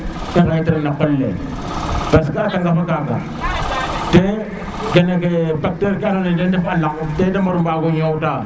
xe xaƴa tel no qol le parce que a kanga ma kaga te kene ke bacteur te ndefu a lang tete mbaru mbago ñowta